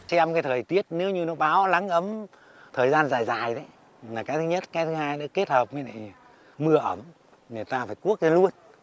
xem cái thời tiết nếu như nó báo nắng ấm thời gian dài dài ấy là cái thứ nhất cái thứ hai nữa kết hợp với lại mưa ẩm người ta phải cuốc luôn